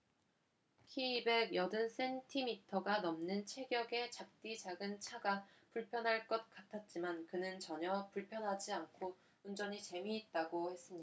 키 백 여든 센티미터가 넘는 체격에 작디 작은 차가 불편할 것 같았지만 그는 전혀 불편하지 않고 운전이 재미있다고 했습니다